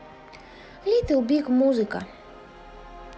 литл биг музыка